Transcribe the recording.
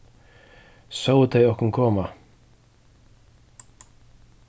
sóu tey okkum koma